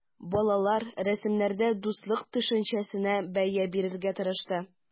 Балалар рәсемнәрендә дуслык төшенчәсенә бәя бирергә тырышты.